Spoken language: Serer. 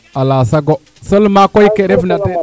ala sago seulement koy ke ref na teen